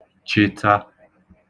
chị̄tā